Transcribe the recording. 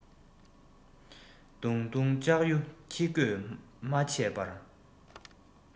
བརྡུངས བརྡུངས ལྕག ཡུ ཁྱི མགོས མ བཅག པར